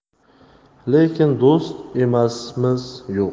lekin do'st emasmiz yo'q